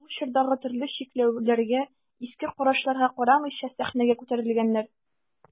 Ул чордагы төрле чикләүләргә, иске карашларга карамыйча сәхнәгә күтәрелгәннәр.